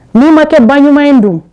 Mun ma kɛ ba ɲuman ye don